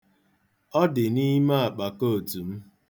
Ọ dị n'ime akpa kootu m.